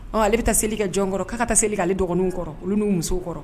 Ɔ ale bɛ taa seli kɛ jɔn kɔrɔ? k'a ka taa seli ale dɔgɔninw kɔrɔ olu n'u musow kɔrɔ.